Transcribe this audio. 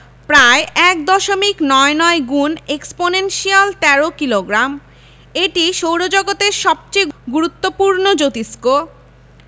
প্রায় এক দশমিক নয় নয় গুন এক্সপনেনশিয়াল ১৩ কিলোগ্রাম এটি সৌরজগতের সবচেয়ে গুরুত্বপূর্ণ জোতিষ্ক